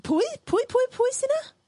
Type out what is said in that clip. Pwy pwy pwy pwy sy 'na?